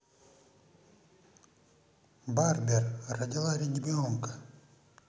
barber родила ребенка